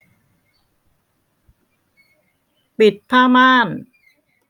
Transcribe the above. ปิดผ้าม่าน